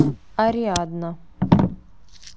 ариадна